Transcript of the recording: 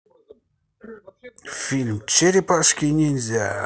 фильм черепашки ниндзя